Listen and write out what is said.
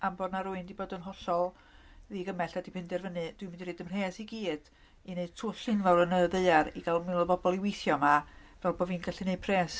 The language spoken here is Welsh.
Am bod 'na rywun 'di bod yn hollol ddigymell a 'di penderfynnu, "dwi'n mynd i roid fy mhres i gyd, i neud twll enfawr yn y ddaear, i gael mwy o bobl i weithio yma, fel bod fi'n gallu neud pres".